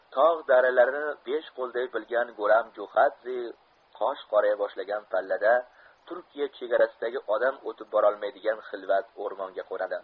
tog' daralarini besh qo'lday bilgan guram jo'xadze qosh qoraya boshlagan pallada turkiya chegarasidagi odam o'tib borolmaydigan xilvat o'rmonga qo'nadi